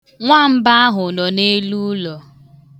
Nwamba ahụ nọ n'eluụlọ.